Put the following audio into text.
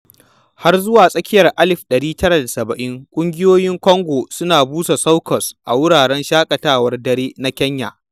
Har zuwa tsakiyar 1970, ƙungiyoyin Congo suna busa soukous a wuraren shaƙatawar dare na Kenya.